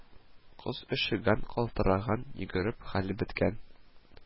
Кыз өшегән, калтыранган, йөгереп хәле беткән